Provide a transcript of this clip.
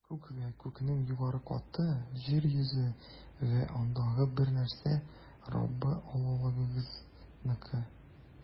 Күк вә күкнең югары каты, җир йөзе вә андагы бар нәрсә - Раббы Аллагызныкы.